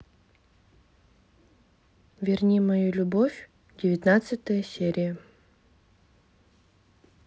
верни мою любовь девятнадцатая серия